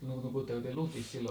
nukuitteko te luhdissa silloin